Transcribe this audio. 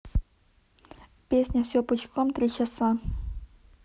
песня все пучком три часа